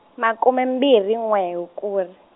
makume mbirhi n'we Hukuri.